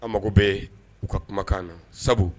A mago bɛ u ka kumakan na sabu